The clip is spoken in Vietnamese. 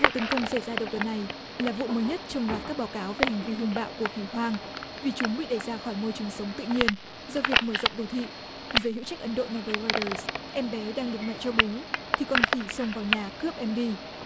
vụ tấn công xảy ra đầu tuần này là vụ mới nhất trong loạt các báo cáo về hành vi hung bạo của khỉ hoang vì chúng bị đẩy ra khỏi môi trường sống tự nhiên do việc mở rộng đô thị giới hữu trách ấn độ nói với roi đờ em bé đang được mẹ cho bú thì con khỉ xông vào nhà cướp em đi